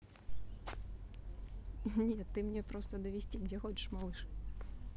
нет ты мне просто довести где хочешь малыш